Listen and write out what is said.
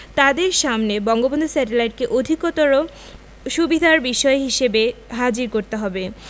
তাদের সামনে বঙ্গবন্ধু স্যাটেলাইটকে অধিকতর সুবিধার বিষয় হিসেবে হাজির করতে হবে